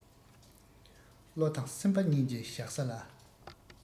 བློ དང སེམས པ གཉིས ཀྱི བཞག ས ལ